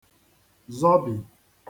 -zọbì